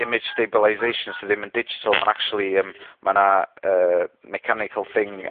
image stabilisation sy ddim yn digital ma'n actually yym ma' 'na yy mechanical thing